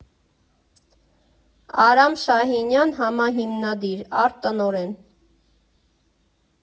Արամ Շահինյան համահիմնադիր, արտ֊տնօրեն։